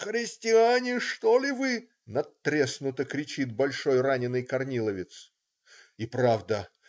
"Христиане, что ль, вы?!" - надтреснуто кричит большой раненый корниловец. "И правда?